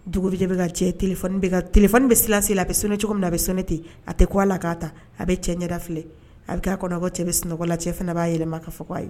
Dugujɛ bɛ ka jɛ téléphone bɛ ka téléphone bɛ silencieux la a bɛ ka sonné cogo min na a bɛ sonné ten a tɛ kun a la k'a ta a bɛ cɛ ɲɛda filɛ a bɛ k'a kɔnɔ ko cɛ bɛ sunɔgɔ la cɛ fana b'a yɛlɛma k'a fɔ ko a ye